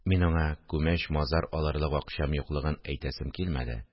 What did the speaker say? Мин аңа күмәч-мазар алырлык акчам юклыгын әйтәсем килмәде